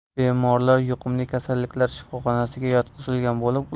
bemorlar yuqumli kasalliklar shifoxonasiga yotqizilgan